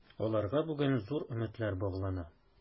Аларга бүген зур өметләр баглана.